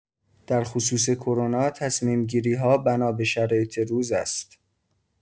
در خصوص کرونا تصمیم‌گیری‌ها بنا به شرایط روز است.